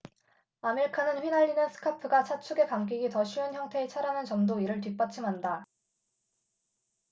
아밀카는 휘날리는 스카프가 차축에 감기기 더 쉬운 형태의 차라는 점도 이를 뒷받침한다